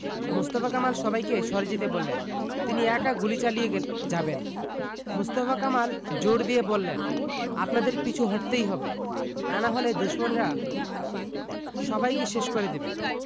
মোস্তফা কামাল সবাইকে সরে যেতে বললেন তিনি একা গুলি চালিয়ে যাবেন মোস্তফা কামাল জোর দিয়ে বললেন আপনাদের পিছু হটতেই হবে তা না হলে দুশমনরা সবাইকে শেষ করে দেবে